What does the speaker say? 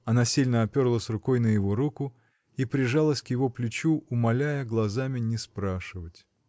Она сильно оперлась рукой на его руку и прижалась к его плечу, умоляя глазами не спрашивать.